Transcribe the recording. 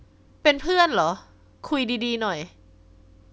เป็นเพื่อนเหรอคุยดีดีหน่อย